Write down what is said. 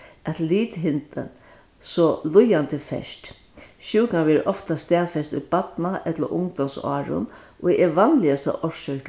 at so líðandi ferst sjúkan verður ofta staðfest í barna- ella ungdómsárum og er vanligasta orsøk